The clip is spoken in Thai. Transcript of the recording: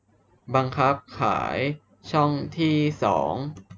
บังคับขายช่องที่สอง